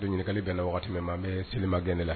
Bɛ ɲininkakali bɛn na waati min an bɛ selilima gɛn ne la